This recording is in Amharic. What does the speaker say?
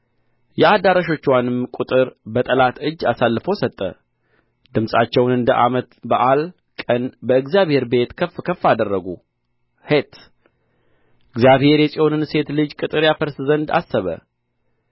የአዳራሾችዋንም ቅጥር በጠላት እጅ አሳልፎ ሰጠ ድምፃቸውን እንደ ዓመት በዓል ቀን በእግዚአብሔር ቤት ከፍ ከፍ አደረጉ ሔት እግዚአብሔር የጽዮንን ሴት ልጅ ቅጥር ያፈርስ ዘንድ አሰበ